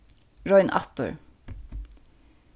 royn aftur